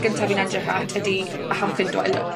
gynta fi'n edrych at ydi how thin do i look.